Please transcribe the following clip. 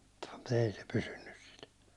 mutta ei se pysynyt sillä